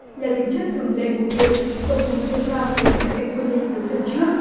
là tính chất thường lệ của việc tổng thống đô nờ trăm đến bệnh viện quân y cuối tuần trước